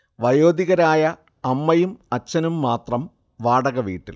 വയോധികരായ അമ്മയും അച്ഛനും മാത്രം വാടക വീട്ടിൽ